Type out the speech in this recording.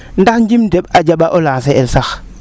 ndax njim deɓ a jamba o lancer el sax